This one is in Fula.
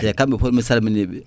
te kamɓe foof mi salminiɓe